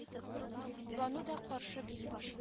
Бану да каршы бии башлый